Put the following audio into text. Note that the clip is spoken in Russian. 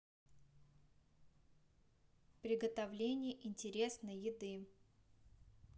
приготовление интересной еды